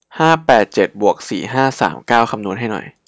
ห้าแปดเจ็ดบวกสี่ห้าสามเก้าคำนวณให้หน่อย